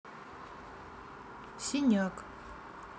синяк